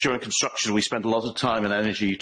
Durin construction we spent a lot o time and energy